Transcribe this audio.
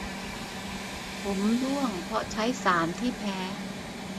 ผมร่วงเพราะใช้สารที่แพ้